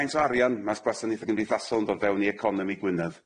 Faint o arian mas gwasaneuthe cymdeithasol yn dod fewn i economi Gwynedd.